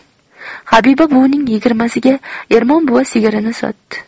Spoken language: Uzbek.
habiba buvining yigirmasiga ermon buva sigirini sotdi